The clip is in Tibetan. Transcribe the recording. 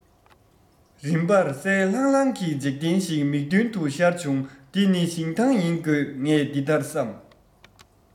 རིམ པར གསལ ལྷང ལྷང གི འཇིག རྟེན ཞིག མིག མདུན དུ ཤར བྱུང འདི ནི ཞིང ཐང ཡིན དགོས ངས འདི ལྟར བསམ